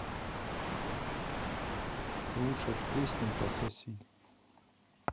слушать песню пососи